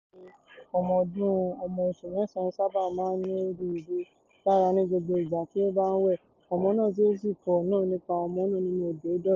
Matokelo Moahl, obìnrin tí í ṣe ọmọ ọdún 40, sọ pé ọmọ-ọmọ òun, ọmọ oṣù mẹ́sàn-án, sábà máa ń ní rúdurùdu lára ní gbogbo ìgbà tí ó bá ti wẹ ọmọ náà tí ó sì fọ àwọn napí ọmọ náà nínú odò tí ó ti dọ̀tí.